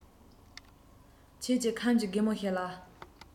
ཁྱོད ཀྱིས ཁམས ཀྱི རྒན མོ ཞིག ལ